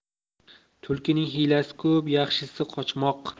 tulkining hiylasi ko'p yaxshisi qochmoq